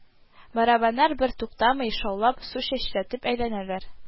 Барабаннар бертуктамый шаулап су чәчрәтеп әйләнәләр